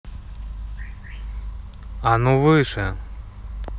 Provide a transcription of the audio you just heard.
а ну выше